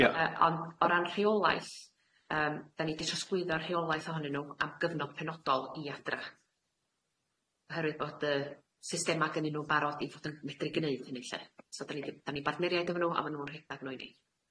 Ia. Yy ond o ran rheolaeth, yym dan ni di trosglwyddo'r rheolaeth ohonyn nw am gyfnod penodol i Adra oherwydd bod yy systema gennyn nw'n barod i fod yn medru gneud hynny lly so dan ni dan ni'n bartneriaid efo nw a ma' nw'n rhedag nw i ni.